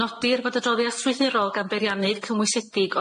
Nodir fod adroddiad strwythurol gan beiriannydd cymwysedig